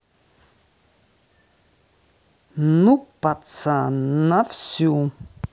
ну пацан на всю